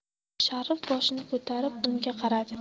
sharif boshini ko'tarib unga qaradi